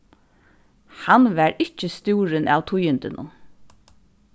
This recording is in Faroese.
hann var ikki stúrin av tíðindunum